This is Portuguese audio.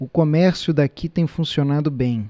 o comércio daqui tem funcionado bem